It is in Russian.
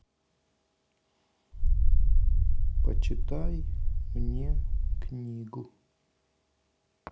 почитай мне книгу